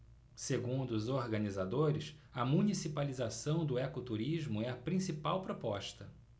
segundo os organizadores a municipalização do ecoturismo é a principal proposta